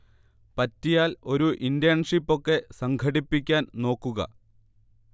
പറ്റിയാൽ ഒരു ഇന്റേൺഷിപ്പ് ഒക്കെ സംഘടിപ്പിക്കാൻ നോക്കുക